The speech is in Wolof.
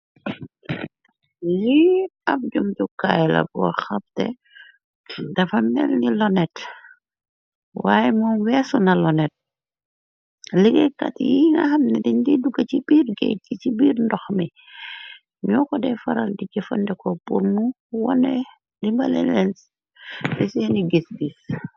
Li ab jum jukkaay la boo xapte dafa melni lonet waaye moo weesu na lonet liggéekat yi nga xamnetiñ di duga ci biir géej ci ci biir ndox mi ñoo ko de faral di jëfandeko purnu wone limbale leen li seeni gis gis.